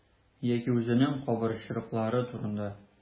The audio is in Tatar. Яки үзенең кабырчрыклары турында.